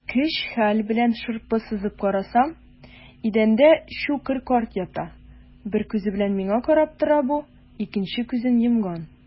Көч-хәл белән шырпы сызып карасам - идәндә Щукарь карт ята, бер күзе белән миңа карап тора бу, икенче күзен йомган.